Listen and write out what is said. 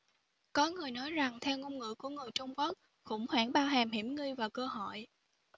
có người nói rằng theo ngôn ngữ của người trung quốc khủng hoảng bao hàm hiểm nguy và cơ hội